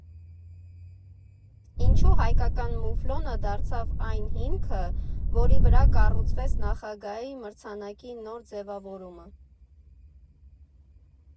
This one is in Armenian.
Ինչու հայկական մուֆլոնը դարձավ այն հիմքը, որի վրա կառուցվեց Նախագահի մրցանակի նոր ձևավորումը։